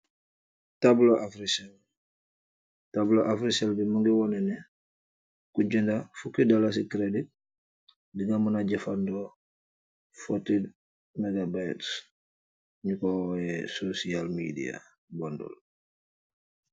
Tablo Africell tablo Africell bi mu ngi wone ne ku jenda fifty dalasis credit dinga muna jefando forty mega bytes nyu ko woye social media bondul.